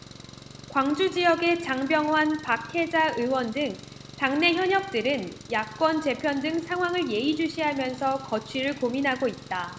광주지역의 장병완 박혜자 의원 등 당내 현역들은 야권 재편 등 상황을 예의주시하면서 거취를 고민하고 있다